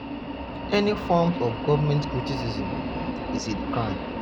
Any form of government criticism is a crime